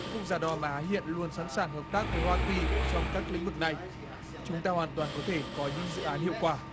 những quốc gia đông nam á hiện luôn sẵn sàng hợp tác với hoa kỳ trong các lĩnh vực này chúng ta hoàn toàn có thể có những dự án hiệu quả